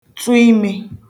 tụ ime